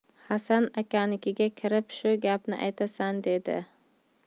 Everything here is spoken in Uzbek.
hasan akangnikiga kirib shu gapni aytasan dedi